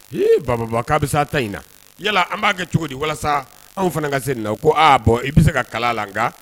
Ee baba k'a bɛ se a ta in yala an b'a kɛ cogo di walasa anw fana ka se nin na ko aa bɔn i bɛ se ka kala laga